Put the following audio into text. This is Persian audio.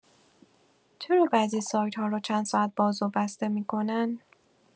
چرا بعضی سایت‌ها رو چند ساعت باز و بسته می‌کنن؟